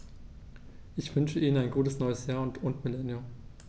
Ich wünsche Ihnen ein gutes neues Jahr und Millennium.